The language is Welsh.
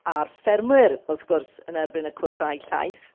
a'r ffermwyr, wrth gwrs, yn erbyn y cwotâu llaeth